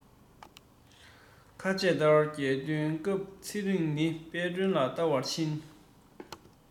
ཁ ཆད ལྟར རྒྱལ སྟོན སྐབས ཚེ རིང ནི དཔལ སྒྲོན ལ བལྟ བར ཕྱིན